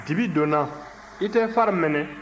dibi donna i tɛ phare mɛnɛ